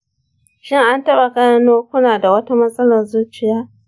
shin an taɓa gano kuna da wata matsalar zuciya?